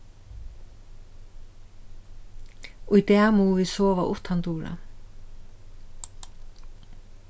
í dag mugu vit sova uttandura